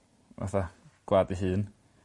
Fatha gw'ad fy hun.